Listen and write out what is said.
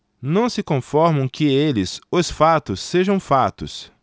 não se conformam que eles os fatos sejam fatos